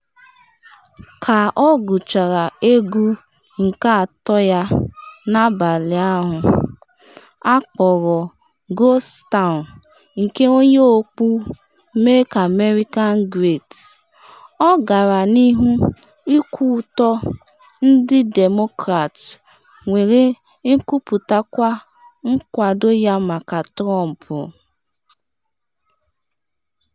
Ka ọ gụchara egwu nke atọ ya n’abalị ahụ, akpọrọ Ghost Town nke oyi okpu Make America Great, ọ gara n’ihu ikwutọ ndị Demokrat were kwuputakwa nkwado ya maka Trump.